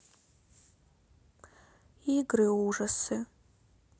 игры ужасы